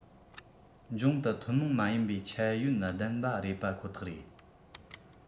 འབྱུང དུ ཐུན མོང མ ཡིན པའི ཁྱད ཡོན ལྡན པ རེད པ ཁོ ཐག རེད